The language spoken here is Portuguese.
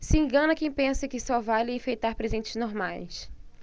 se engana quem pensa que só vale enfeitar presentes normais